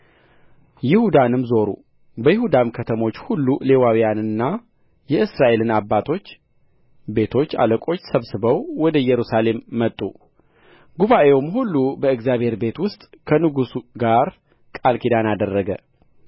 ይሁዳንም ዞሩ በይሁዳም ከተሞች ሁሉ ሌዋውያንንና የእስራኤልን አባቶች ቤቶች አለቆች ሰብስበው ወደ ኢየሩሳሌም መጡ ጉባኤውም ሁሉ በእግዚአብሔር ቤት ውስጥ ከንጉሥ ጋር ቃል ኪዳን አደረገ